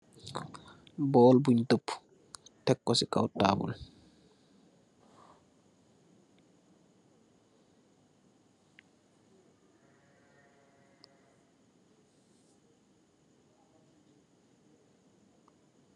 bul bun ndoppu tekk ko sey kaww tabul